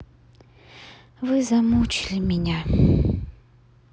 вы замучили меня